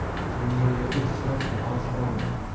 keyingi oylarda ishchilar maosh olmaydi